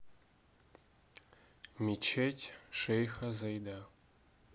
мечеть шейха зайда